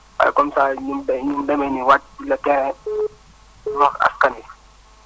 waaye comme ça nim de ni mu demee nii wàcc sur le terrain wax askan wi